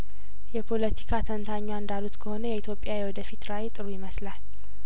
የፖለቲካ ተንታኟ እንዳሉት ከሆነ የኢትዮጲያ የወደፊት ራእይ ጥሩ ይመስላል